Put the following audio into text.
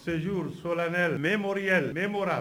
Ce jour solennel mémorial mémorable